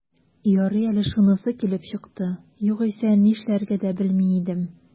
Ярый әле шунысы килеп чыкты, югыйсә, нишләргә дә белми идем...